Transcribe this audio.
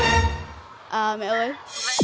à à mẹ ơi